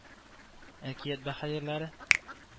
Әкият баһадирлары